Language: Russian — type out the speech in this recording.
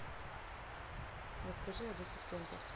расскажи об ассистентах